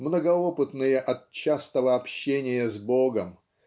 многоопытные от частого общения с Богом